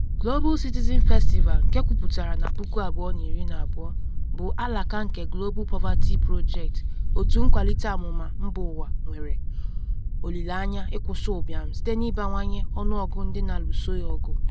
Global Citizen Festival nke kwuputara na 2012, bụ alaka nke Global Poverty Project, otu nkwalite amụma mba ụwa nwere olile anya ịkwụsị ụbịam site na ịbawanye ọnụọgụ ndị na-alụso ya ọgụ.